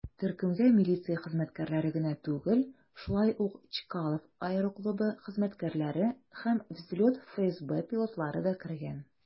Төркемгә милиция хезмәткәрләре генә түгел, шулай ук Чкалов аэроклубы хезмәткәрләре һәм "Взлет" ФСБ пилотлары да кергән.